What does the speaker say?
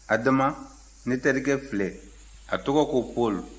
adama ne terikɛ filɛ a tɔgɔ ko paul